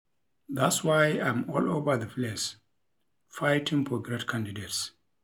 "That's why I'm all over the place fighting for great candidates."